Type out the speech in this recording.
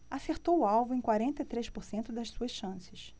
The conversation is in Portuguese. acertou o alvo em quarenta e três por cento das suas chances